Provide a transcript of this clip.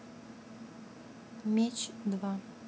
меч два